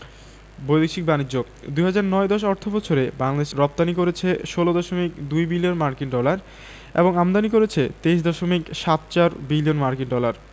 বৈদেশিক বাণিজ্যঃ ২০০৯ ১০ অর্থবছরে বাংলাদেশ রপ্তানি করেছে ১৬দশমিক ২ বিলিয়ন মার্কিন ডলার এবং আমদানি করেছে ২৩দশমিক সাত চার বিলিয়ন মার্কিন ডলার